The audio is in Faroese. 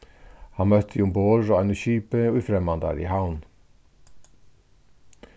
hann møtti umborð á einum skipi í fremmandari havn